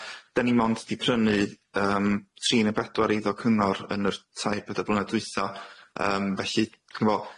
'Den ni mond 'di prynu yym tri ne' bedwar eiddo cyngor yn yr tair, beder blynedd dwytha, yym felly ch'mo',